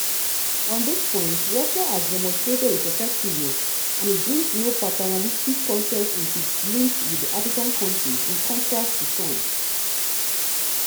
On this point Russia has demonstrated its effectiveness and it brings no paternalistic context into its links with the African countries, in contrast to France.